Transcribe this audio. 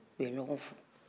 u ye ɲɔgɔn fo